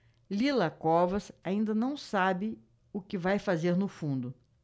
lila covas ainda não sabe o que vai fazer no fundo